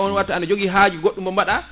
on wattu aɗa jogui haaju goɗɗo mo mbaɗa